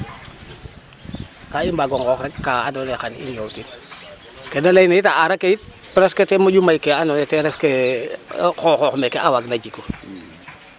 Ka i mbaago nqoox rek ka andoona yee xa i ñoowtin ke da layna yit a aar ake yit presque ten moƴu may ke o qooxoox meeke a waagna jiku .